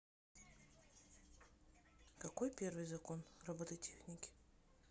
какой первый закон робототехники